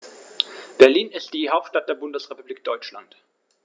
Berlin ist die Hauptstadt der Bundesrepublik Deutschland.